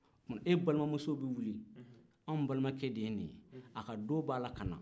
o tumana e balimamusow bɛ wili anw balimakɛ de ye nin ye a ka do personne masquee b'a la ka na